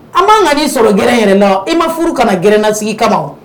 An b'an ka' sɔrɔ g yɛrɛ na i ma furu kana gɛrɛnasigi kama